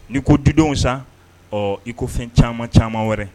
N'i ko didenw san ɔ iko fɛn caman caman wɛrɛ